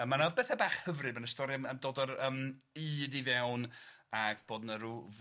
A ma' 'na bethe bach hyfryd ma' 'na stori yym yn dod o'r yym ŷd i fewn ac bod 'na rw